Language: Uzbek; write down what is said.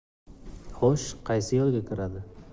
xush qaysi yo'lga kiradi